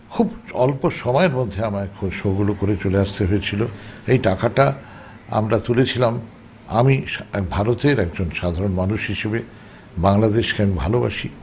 খুব অল্প সময়ের মধ্যে আমায় সো গুলো করে চলে আসতে হয়েছিল এই টাকাটা আমরা তুলেছিলাম আমি ভারতের একজন সাধারন মানুষ হিসাবে বাংলাদেশকে আমি ভালোবাসি